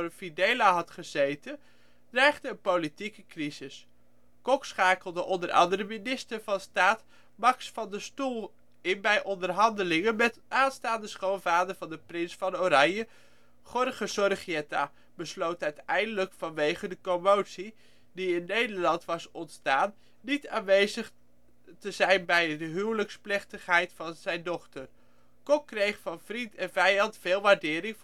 Videla had gezeten, dreigde een politieke crisis. Kok schakelde onder andere Minister van Staat Max van der Stoel in bij onderhandelingen met de aanstaande schoonvader van de prins van Oranje. Jorge Zorreguieta besloot uiteindelijk, vanwege de commotie die in Nederland was ontstaan, niet aanwezig te bij de huwelijksplechtigheid van zijn dochter. Kok kreeg van vriend en vijand veel waardering